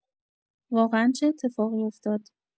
واقعا چه اتفاقی افتاد؟